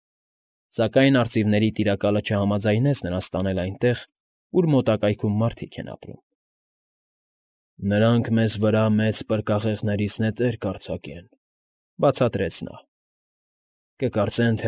Սակայն արծիվների Տիրակալը չհամաձայնեց նրանց տանել այնտեղ, ուր մոտակայքում մարդիկ են ապրում։ ֊ Նրանք մեզ վրա մեծ պրկաղեղներից նետեր կարձակեն,֊ բացատրեց նա,֊ կկարծեն,